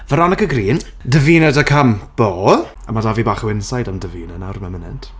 Veronica Green, Davina de Campo... a ma' 'da fi bach o inside am Davina nawr mewn munud.